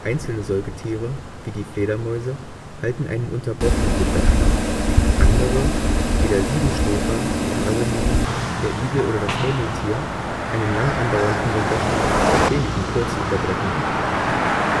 Einzelne Säugetiere (wie die Fledermäuse) halten einen unterbrochenen Winterschlaf, andere (wie der Siebenschläfer, die Haselmaus, der Igel oder das Murmeltier) einen lang andauernden Winterschlaf mit wenigen kurzen Unterbrechungen.